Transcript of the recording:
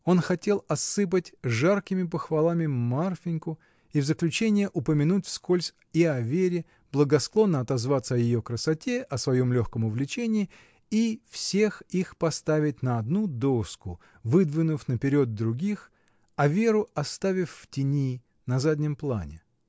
Он хотел осыпать жаркими похвалами Марфиньку и в заключение упомянуть вскользь и о Вере, благосклонно отозваться о ее красоте, о своем легком увлечении и всех их поставить на одну доску, выдвинув наперед других, а Веру оставив в тени, на заднем плане.